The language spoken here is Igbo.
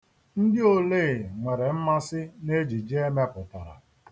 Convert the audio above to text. Ndị olee nwere mmasị n'ejije e mepụtara.